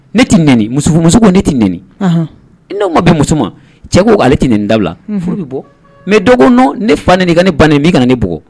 Ne tɛ neni musouso ne tɛ neni n' ma bɛ musoman ma cɛ ale tɛ nin dawula furu bɛ bɔ mɛ dɔgɔ ne fa ni ka ne ban nin bɛ ka ne bugɔ